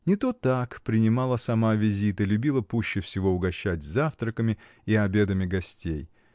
Не то так принимала сама визиты, любила пуще всего угощать завтраками и обедами гостей.